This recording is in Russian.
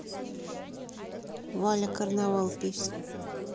валя карнавал песня